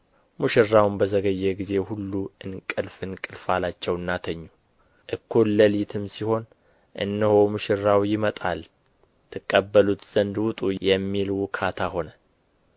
ሙሽራውም በዘገየ ጊዜ ሁሉ እንቅልፍ እንቅልፍ አላቸውና ተኙ እኩል ሌሊትም ሲሆን እነሆ ሙሽራው ይመጣል ትቀበሉት ዘንድ ውጡ የሚል ውካታ ሆነ